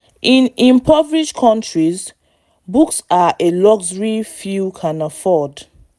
In impoverished countries, books are a luxury few can afford.